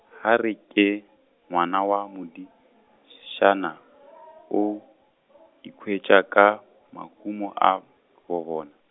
ha re ke, ngwana wa moditš- -tsana, o, ikhwetša ka, mahumo a bo bona.